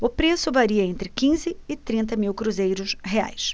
o preço varia entre quinze e trinta mil cruzeiros reais